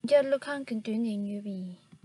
རྫོང རྒྱབ ཀླུ ཁང གི མདུན དེ ནས ཉོས པ ཡིན